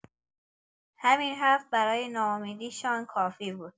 همین حرف برای ناامیدیشان کافی بود.